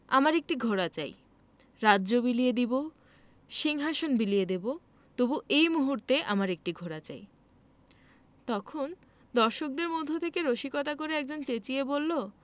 ঘোড়া আমার একটি ঘোড়া চাই রাজ্য বিলিয়ে দেবো সিংহাশন বিলিয়ে দেবো তবু এই মুহূর্তে আমার একটি ঘোড়া চাই তখন দর্শকদের মধ্য থেকে রসিকতা করে একজন চেঁচিয়ে বললো